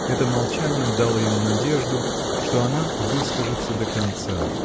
Это молчание дало ему надежду, что она выскажется до конца.